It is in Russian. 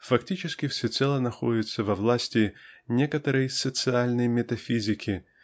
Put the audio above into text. фактически всецело находится во власти некоторой социальной метафизики